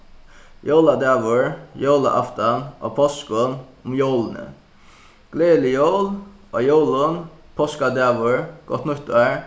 jóladagur jólaaftan á páskum um jólini gleðilig jól á jólum páskadagur gott nýttár